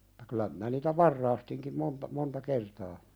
mutta kyllä minä niitä varastinkin monta monta kertaa